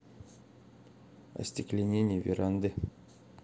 остекление веранды